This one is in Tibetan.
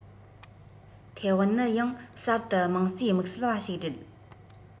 ཐའེ ཝན ནི ཡང གསར དུ དམངས གཙོའི དམིགས བསལ བ ཞིག རེད